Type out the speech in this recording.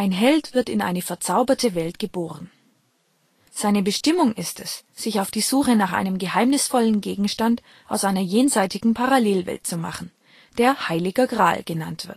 Held wird in eine verzauberte Welt geboren. Seine Bestimmung ist es, sich auf die Suche nach einem geheimnisvollen Gegenstand aus einer jenseitigen Parallelwelt zu machen, der Heiliger Gral genannt